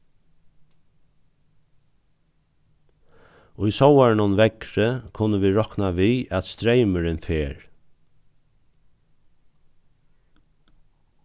í sovorðnum veðri kunnu vit rokna við at streymurin fer